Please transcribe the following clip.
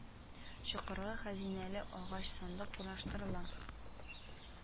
Чокырга хәзинәле агач сандык урнаштырыла